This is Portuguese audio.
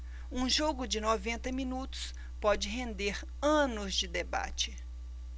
um jogo de noventa minutos pode render anos de debate